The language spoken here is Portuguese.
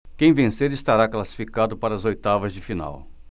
quem vencer estará classificado para as oitavas de final